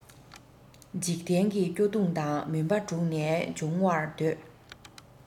འཇིག རྟེན གྱི སྐྱོ གདུང དང མུན པ དྲུངས ནས དབྱུང བར འདོད